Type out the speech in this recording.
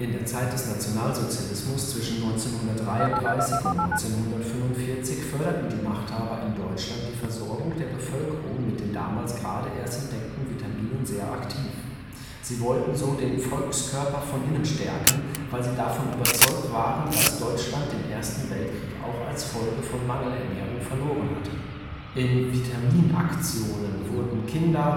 der Zeit des Nationalsozialismus (1933 – 1945) förderten die Machthaber in Deutschland die Versorgung der Bevölkerung mit den damals gerade erst entdeckten Vitaminen sehr aktiv. Sie wollten so den „ Volkskörper von innen stärken “, weil sie davon überzeugt waren, dass Deutschland den Ersten Weltkrieg auch als Folge von Mangelernährung verloren hatte. In „ Vitamin-Aktionen “wurden Kinder